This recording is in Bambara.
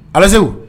Alo Seku.